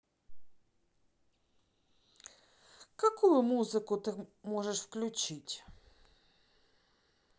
какую музыку ты можешь включить